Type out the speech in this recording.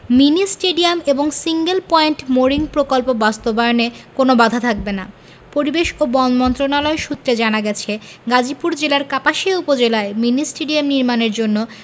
mini stadium এবং single point mooring প্রকল্প বাস্তবায়নে কোনো বাধা থাকবে না পরিবেশ ও বন মন্ত্রণালয় সূত্রে জানা গেছে গাজীপুর জেলার কাপাসিয়া উপজেলায় মিনি স্টেডিয়াম নির্মাণের জন্য